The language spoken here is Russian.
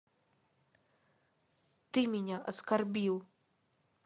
ты меня оскорбил